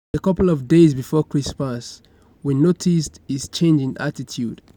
"A couple of days before Christmas we noticed his change in attitude.